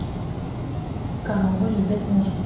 коровы любят музыку